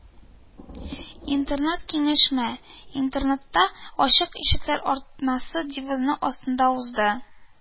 Интернет-киңәшмә “Интернетта ачык ишекләр атнасы” девизы астында узды